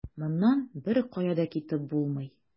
Моннан беркая да китеп булмый.